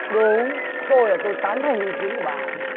đúng tôi là tôi tán thành ý kiến của bà